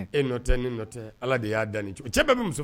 E tɛ ne tɛ ala de y'a dan cɛ bɛɛ bɛ muso